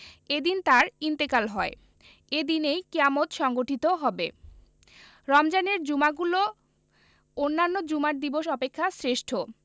এদিন তাঁর ইন্তেকাল হয় এদিনেই কিয়ামত সংঘটিত হবে রমজানের জুমাগুলো অন্যান্য জুমার দিবস অপেক্ষা শ্রেষ্ঠ